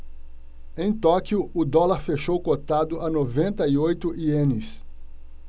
em tóquio o dólar fechou cotado a noventa e oito ienes